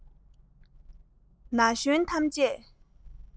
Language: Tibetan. ན གཞོན ཐམས ཅན